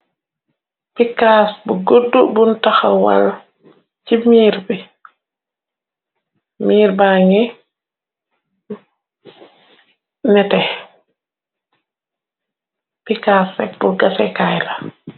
Pikaas bu guddu bunj taxawal ci miir bi mirr ba ngi nete pikassek bu gasekaay la.